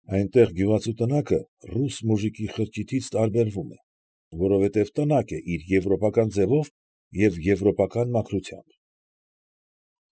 Այնտեղ գյուղացու տնակը ռուս մուժիկի խրճիթից տարբերվում է, որովհետև տնակ է իր եվրոպական ձևով և եվրոպական մաքրությամբ։